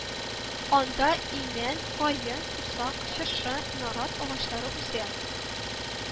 Анда имән, каен, усак, чыршы, нарат агачлары үсә